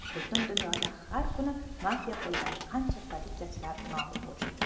butun dunyoda har kuni mafiya qo'lidan qancha politsiyachilar nobud bo'lishadi